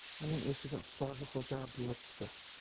uning esiga ustozi xo'ja abdulla tushdi